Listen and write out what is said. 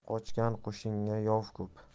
qochgan qo'shinga yov ko'p